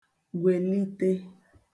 gwèlite